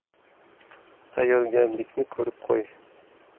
tayyorgarlikni ko'rib qo'y